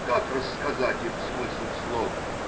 Как рассказать им смысл слов